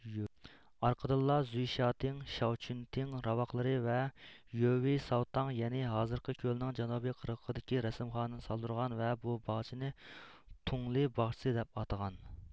ئارقىدىنلا زۈي شياتىڭ شياۋچۈنتىڭ راۋاقلىرى ۋە يۆۋېي ساۋتاڭ يەنى ھازىرقى كۆلنىڭ جەنۇبىي قىرغىقىدىكى رەسىمخانىنى سالدۇرغان ۋە بۇ باغچىنى تۇڭلې باغچىسى دەپ ئاتىغان